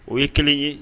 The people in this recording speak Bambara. O ye kelen ye